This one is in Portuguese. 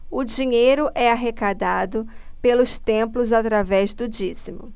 o dinheiro é arrecadado pelos templos através do dízimo